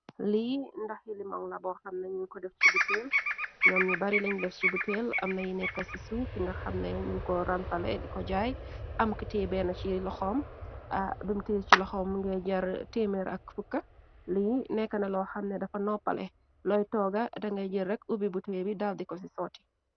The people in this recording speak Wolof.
Lee ndaxi lemong la bo xamna ñuñ ko def ci buteel ñoom ñu bari lañ def ci buteel amna yi nekka ci suufi nga xamne ñuñ ko ransale di ko jaay am ku teye bena ci loxoom bimteye ci loxoom muge jar temeer ak fuka lii nekkna loo xamne dafa noppale looy tooga dangay jel rek ubi butee bi daal di ko ci sooti.